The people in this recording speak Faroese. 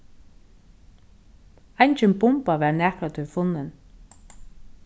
eingin bumba varð nakrantíð funnin